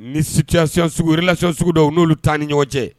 Ni sucyacons sugulacon sugu dɔw n'olu taa ni ɲɔgɔn cɛ